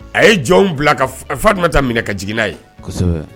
A ye jɔn bila fatuma ta minɛ ka jiginignaa ye